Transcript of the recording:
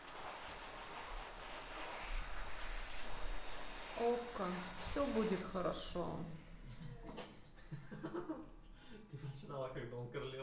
okko все будет хорошо